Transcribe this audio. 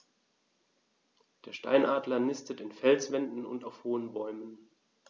Der Steinadler nistet in Felswänden und auf hohen Bäumen.